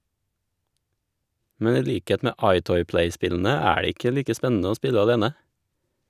Men i likhet med Eyetoy Play-spillene er det ikke like spennende å spille alene.